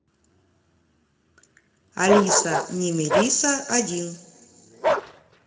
алиса не мелиса один